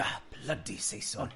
Ah, blydi, Saeson!